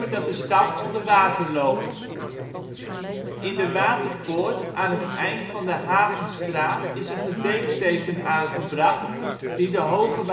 dat de stad onder water loopt. In de waterpoort aan het eind van de Havenstraat is een gedenkteken aangebracht, die de hoge